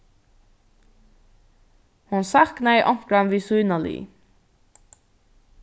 hon saknaði onkran við sína lið